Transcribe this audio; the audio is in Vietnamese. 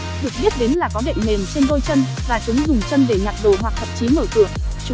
được biết đến là có đệm mềm trên đôi chân và chúng dùng chân để nhặt đồ hoặc thậm chí mở cửa